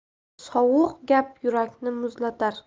sovuq gap yurakni muzlatar